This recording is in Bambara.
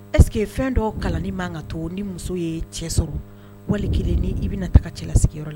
Ɛseke fɛn dɔ kalan ni manka to ni muso ye cɛ sɔrɔ wali kelen i bɛ taa ka cɛlasigi yɔrɔ